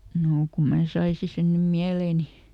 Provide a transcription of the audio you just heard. no kun minä saisin sen nyt mieleeni